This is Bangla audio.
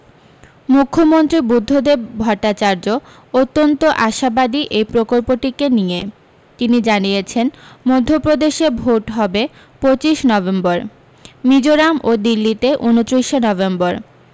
মুখ্যমন্ত্রী বুদ্ধদেব ভট্টাচার্য অত্যন্ত আশাবাদী এই প্রকল্পটিকে নিয়ে তিনি জানিয়েছেন মধ্যপ্রদেশে ভোট হবে পঁচিশ নভেম্বর মিজোরাম ও দিল্লীতে উনত্রিশে নভেম্বর